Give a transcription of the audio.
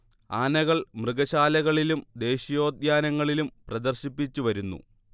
ആനകൾ മൃഗശാലകളിലും ദേശീയോദ്യാനങ്ങളിലും പ്രദർശിപ്പിച്ചുവരുന്നു